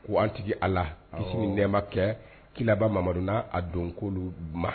Wa an tigi Ala. Ɔnhɔn. Kisi ni nɛma kɛ kiraba Mamadu n'a a dunkew ma.